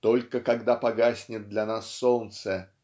Только когда погаснет для нас солнце